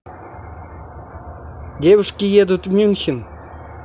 девушки едут в мюнхен